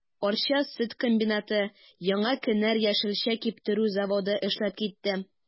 Арча сөт комбинаты, Яңа кенәр яшелчә киптерү заводы эшләп китте.